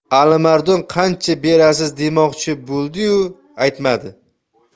alimardon qancha berasiz demoqchi bo'ldi yu aytmadi